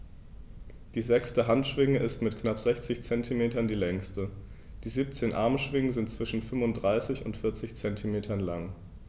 Die sechste Handschwinge ist mit knapp 60 cm die längste. Die 17 Armschwingen sind zwischen 35 und 40 cm lang.